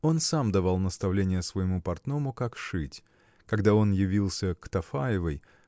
Он сам давал наставления своему портному, как шить. Когда он явился к Тафаевой